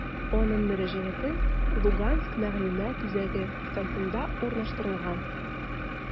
Аның мөрәҗәгате «Луганск мәгълүмат үзәге» сайтында урнаштырылган.